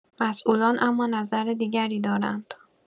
مسئولان اما نظر دیگری دارند.